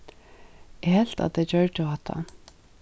eg helt at tey gjørdu hatta